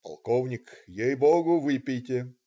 "Полковник, ей-Богу, выпейте".